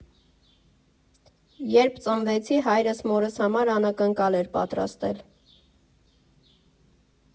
Երբ ծնվեցի, հայրս մորս համար անակնկալ էր պատրաստել.